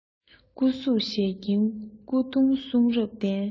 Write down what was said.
སྐུ གཟུགས ཞལ སྐྱིན སྐུ གདུང གསུང རབ རྟེན